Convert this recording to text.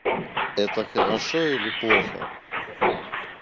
это хорошо или плохо